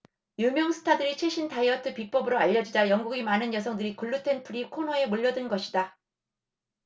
유명 스타들의 최신 다이어트 비법으로 알려지자 영국의 많은 여성들이 글루텐 프리 코너에 몰려든 것이다